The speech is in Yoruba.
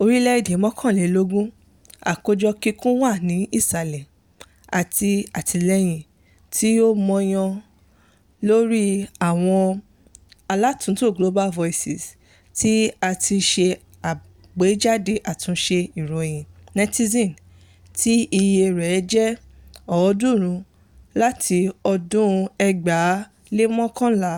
orílẹ̀ èdè mọ́kànlélógójì (àkójọ kíkún wà ní ìsàlẹ̀) àti àtìlẹ́yìn tí ó mọ́yán lórí àwọn alátúntò Global Voices, a ti ṣe àgbéjáde àtúnṣe ìròyìn Netizen tí iye rẹ̀ jẹ́ ọ̀ọ́dúnrún láti ọdún 2011.